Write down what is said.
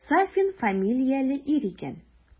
Сафин фамилияле ир икән.